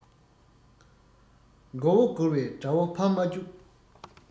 མགོ བོ སྒུར བའི དགྲ བོ ཕམ མ བཅུག